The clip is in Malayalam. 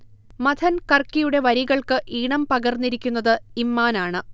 മഥൻ കർക്കിയുടെ വരികൾക്ക് ഈണം പകർന്നിരിക്കുന്നത് ഇമ്മാനാണ്